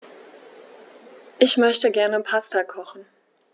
Ich möchte gerne Pasta kochen.